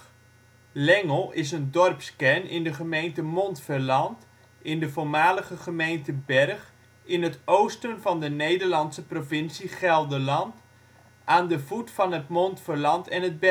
dorpskern in de gemeente Montferland (in de voormalige gemeente Bergh) in het oosten van de Nederlandse provincie Gelderland, aan de voet van het Montferland en het Bergherbos